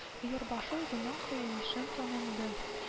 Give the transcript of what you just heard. Өер башы үзенең каенишен таныды